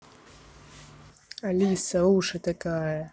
алиса уши такая